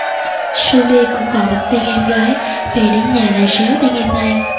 suli cũng gọi được tên em gái về đến nhà là réo tên em ngay